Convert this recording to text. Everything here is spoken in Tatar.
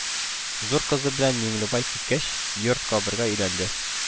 Зур кызы белән Миңлебай киткәч, йорт кабергә әйләнде